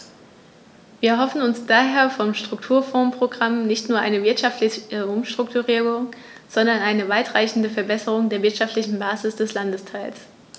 Wir erhoffen uns daher vom Strukturfondsprogramm nicht nur eine wirtschaftliche Umstrukturierung, sondern eine weitreichendere Verbesserung der wirtschaftlichen Basis des Landesteils.